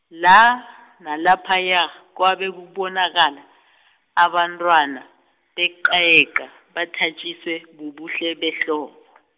la, nalaphaya kwabe kubonakala , abantwana beqayeqa bathatjiswe bubuhle behlobo.